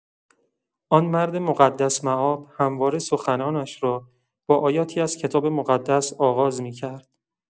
آن مرد مقدس‌مآب همواره سخنانش را با آیاتی از کتاب مقدس آغاز می‌کرد.